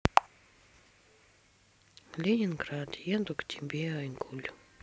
ленинград еду к тебе айгуль